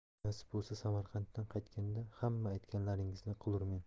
nasib bo'lsa samarqanddan qaytganda hamma aytganlaringizni qilurmen